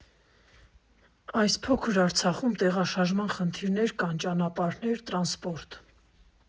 Այս փոքր Արցախում տեղաշարժման խնդիրներ կան՝ ճանապարհներ, տրանսպորտ։